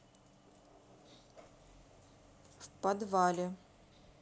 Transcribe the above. в подвале